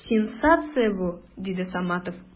Сенсация бу! - диде Саматов.